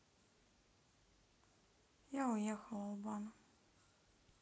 я уехал албана